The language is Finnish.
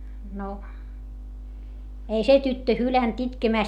no ei se tyttö hylännyt itkemästä